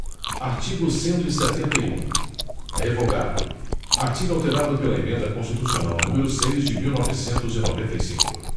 artigo cento e setenta e um revogado artigo alterado pela emenda constitucional número seis de mil novecentos e noventa e cinco